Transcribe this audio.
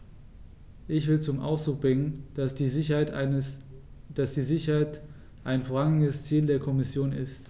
Ich will zum Ausdruck bringen, dass die Sicherheit ein vorrangiges Ziel der Kommission ist.